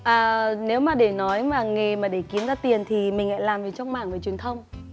à nếu mà để nói mà nghề mà để kiếm ra tiền thì mình lại làm về trong mảng về truyền thông